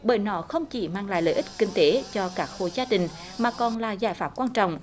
bởi nó không chỉ mang lại lợi ích kinh tế cho các hộ gia đình mà còn là giải pháp quan trọng